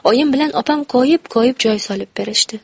oyim bilan opam koyib koyib joy solib berishdi